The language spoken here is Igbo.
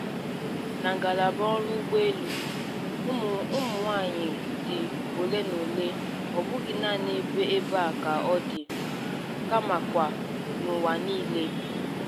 Na ngalaba ọrụ ụgbọelu, ụmụnwaanyị dị ole na ole, ọbụghị naanị ebe a ka ọ dị, kamakwa n'ụwa niile.